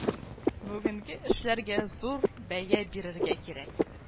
Бүгенге эшләргә зур бәя бирергә кирәк